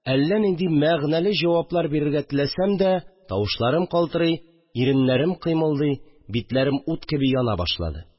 Әллә нинди мәгънәле җаваплар бирергә теләсәм дә, тавышларым калтырый, иреннәрем кыймылдый, битләрем ут кеби яна башлады